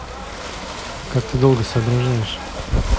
как ты долго соображаешь